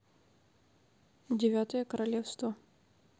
девятое королевство